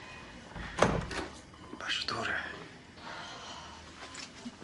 Pasio dŵr ia?